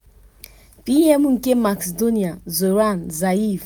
“Anyị bụ obodo na enweghị ego, mana anyị nwere ugwu.